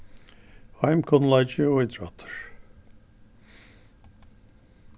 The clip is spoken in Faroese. heimkunnleiki og ítróttur